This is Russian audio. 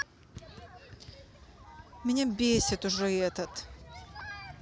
меня бесит уже этот